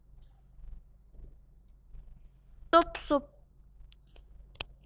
ལུས སྟོབས གསོ